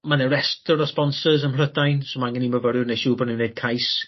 ma' 'ne restyr o sponcers ym Mhrydain so ma' angen i myfyrwyr neu' siŵr bo' nw'n neud cais